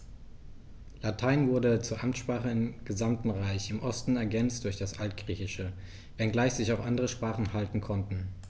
Latein wurde zur Amtssprache im gesamten Reich (im Osten ergänzt durch das Altgriechische), wenngleich sich auch andere Sprachen halten konnten.